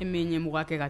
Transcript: I min ɲɛ mugan kɛ ka taa